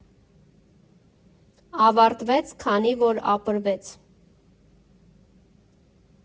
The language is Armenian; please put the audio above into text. Ավարտվեց, քանի որ ապրվեց։